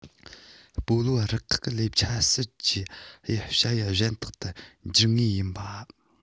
སྤོ ལོ རུ ཁག གི ལས ཆབ སྲིད ཀྱི དབྱེ བྱ ཡུལ གཞན དག ཏུ གྱུར ངེས ཡིན པ